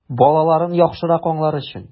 Балаларын яхшырак аңлар өчен!